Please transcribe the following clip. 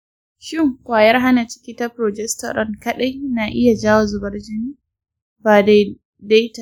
shin kwayar hana ciki ta progesterone kaɗai na iya jawo zubar jini da bai daidaita ba?